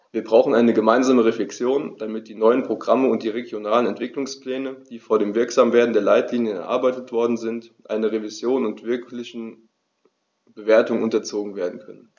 Wir brauchen eine gemeinsame Reflexion, damit die neuen Programme und die regionalen Entwicklungspläne, die vor dem Wirksamwerden der Leitlinien erarbeitet worden sind, einer Revision und wirklichen Bewertung unterzogen werden können.